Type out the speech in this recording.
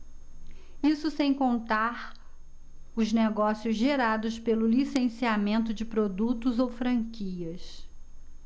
isso sem contar os negócios gerados pelo licenciamento de produtos ou franquias